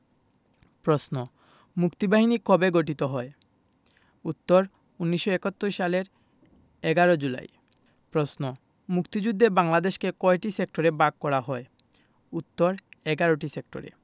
প্রশ্ন মুক্তিবাহিনী কবে গঠিত হয় উত্তর ১৯৭১ সালের ১১ জুলাই প্রশ্ন মুক্তিযুদ্ধে বাংলাদেশকে কয়টি সেক্টরে ভাগ করা হয় উত্তর ১১টি সেক্টরে